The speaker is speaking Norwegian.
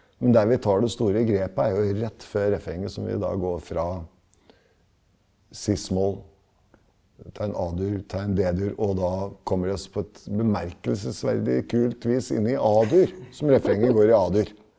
men der vi tar det store grepet er jo rett før refrenget som vi da går fra ciss-moll til en a-dur til en d-dur og da kommer vi oss på et bemerkelsesverdig kult vis inn i a-dur som refrenget går i a-dur.